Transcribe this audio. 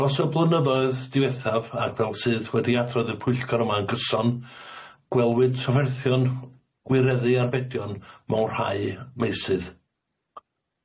Dros y blynyddoedd diwethaf, ac fel sydd wedi adrodd y pwyllgor yma yn gyson, gwelwyd tafferthion gwireddu arbedion mewn rhai meysydd.